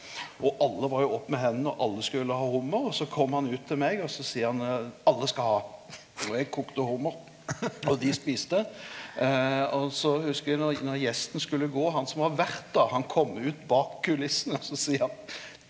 og alle var jo opp med hendene og alle skulle ha hummar, og så kom han ut til meg og så seier han alle skal ha, og eg kokte hummar og dei åt og så huskar eg når når gjesten skulle gå han som var vert då han kom ut bak kulissene så seier han.